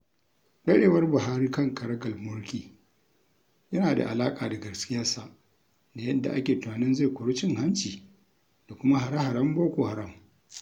ɗarewar Buhari kan karagar mulki yana da alaƙa da gaskiyarsa da yadda ake tunanin zai kori cin-hanci da kuma hare-haren Boko Haram.